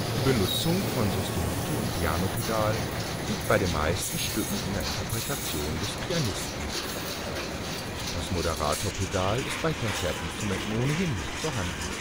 Die Benutzung von Sostenuto - und Piano-Pedal liegt bei den meisten Stücken in der Interpretation des Pianisten (das Moderatorpedal ist bei Konzertinstrumenten ohnehin nicht vorhanden